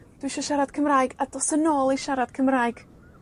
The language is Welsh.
Dwi isio siarad Cymraeg, a dos yn ôl i siarad Cymraeg.